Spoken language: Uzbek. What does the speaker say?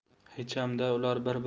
hecham da ular bir